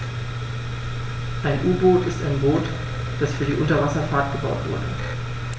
Ein U-Boot ist ein Boot, das für die Unterwasserfahrt gebaut wurde.